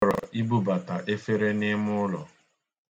Ọ chọrọ ibubata efere n'ime ụlọ.